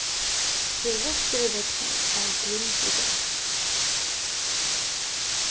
her vesturi regnar av grimd í dag